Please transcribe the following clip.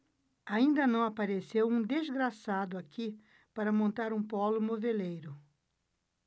ainda não apareceu um desgraçado aqui para montar um pólo moveleiro